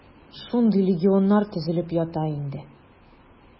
Шундый легионнар төзелеп ята инде.